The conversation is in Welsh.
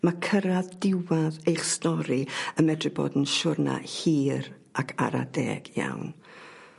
Ma' cyrradd diwadd eich stori yn medru bod yn siwrna hir ac ara deg iawn.